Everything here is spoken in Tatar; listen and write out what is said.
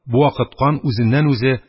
Бу вакыт кан үзеннән-үзе